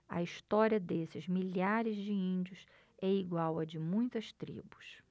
a história desses milhares de índios é igual à de muitas tribos